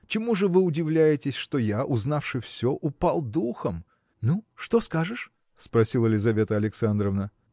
Чему же вы удивляетесь, что я, узнавши все, упал духом?. – Ну, что скажешь? – спросила Лизавета Александровна.